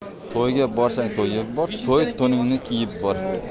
to'yga borsang to'yib bor to'y to'ningni kiyib bor